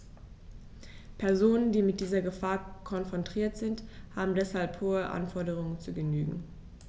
Personen, die mit dieser Gefahr konfrontiert sind, haben deshalb hohen Anforderungen zu genügen.